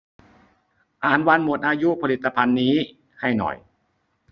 อ่านวันหมดอายุผลิตภัณฑ์นี้ให้หน่อย